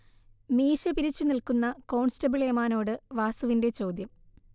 മീശ പിരിച്ചു നിൽക്കുന്ന കോൺസ്റ്റബിൾ ഏമാനോട് വാസുവിന്റെ ചോദ്യം